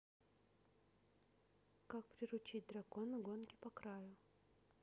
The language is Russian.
как приручить дракона гонки по краю